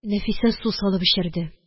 Нәфисә су салып эчерде.